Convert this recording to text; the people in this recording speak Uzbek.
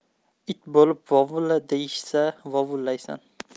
it bulib vovulla deyishsa vovullaysan